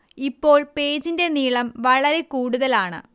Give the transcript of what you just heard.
ഇപ്പോൾ പേജിന്റെ നീളം വളരെ കൂടുതൽ ആണ്